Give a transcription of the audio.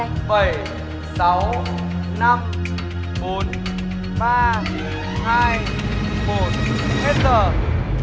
bảy sáu năm bốn ba hai một hết giờ